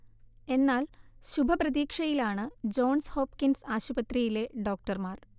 എന്നാൽ, ശുഭപ്രതീക്ഷയിലാണ് Johns Hopkins ആശുപത്രിയിലെ ഡോക്ടർമാർ